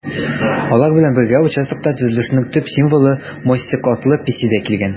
Алар белән бергә участокта төзелешнең төп символы - Мостик атлы песи дә килгән.